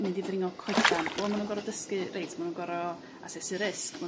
mynd i ddringo coedan, wel ma' nhw'n gor'o' dysgu reit ma' nhw'n gor'o' asesu risg.